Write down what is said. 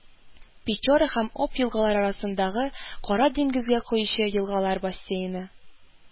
Печора һәм Об елгалары арасындагы, Кара диңгезенә коючы, елгалар бассейны